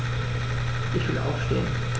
Ich will aufstehen.